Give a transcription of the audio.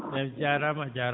eeyi jaaraama a jaaraama